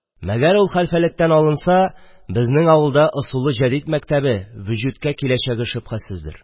Мәгәр ул хәлфәлектән алынса, безнең авылда ысулы җәдидә мәктәбе вөҗүткә киләчәге шөбһәсездер.